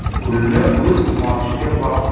kulni o'z kumochingga tortma